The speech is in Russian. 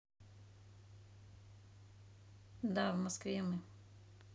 да в москве мы